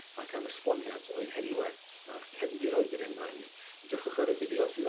ac am esboniad o'u henwe a'r cefndiroedd i'r enwe hynny, edrychwch ar y fideo sydd